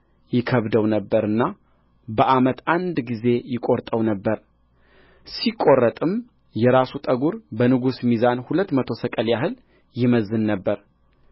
ይከብደው ነበርና በዓመት አንድ ጊዜ ይቈርጠው ነበር ሲቈረጥም የራሱ ጠጕር በንጉሥ ሚዛን ሁለት መቶ ሰቅል ያህል ይመዘን ነበር